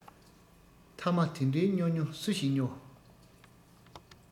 ཐ མ དེ འདྲའི སྨྱོ སྨྱོ སུ ཞིག སྨྱོ